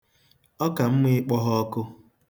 Ọ ka mma ịkpọ ya ọkụ.